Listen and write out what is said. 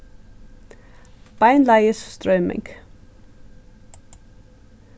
beinleiðis stroyming